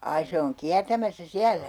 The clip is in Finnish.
ai se on kiertämässä siellä